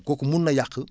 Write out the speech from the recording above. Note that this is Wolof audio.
kooku mun na yàq